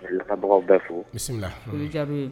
Labagaw bɛ fo misi